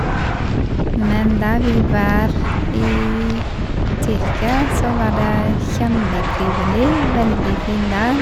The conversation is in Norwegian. Men da vi var i Tyrkia, så var det kjempetrivelig og veldig fin der.